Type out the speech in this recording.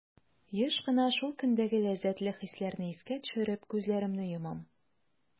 Еш кына шул көндәге ләззәтле хисләрне искә төшереп, күзләремне йомам.